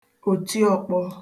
òtiọ̀kpọ